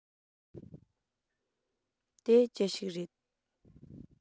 དེ ཅི ཞིག རེད